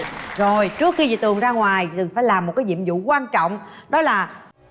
rồi trước khi chị tường ra ngoài chị tường phải làm một cái nhiệm vụ quan trọng đó là